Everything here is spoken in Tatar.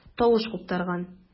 Тавыш куптарган.